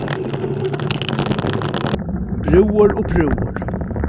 brúður og prúður